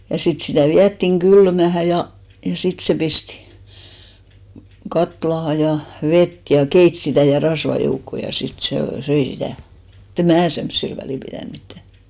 ja sitten sitä vietiin kylmään ja ja sitten se pisti kattilaan ja vettä ja keitti sitä ja rasvaa joukkoon ja sitten se söi sitä mutta en minä semmoisilla väliä pitänyt mitään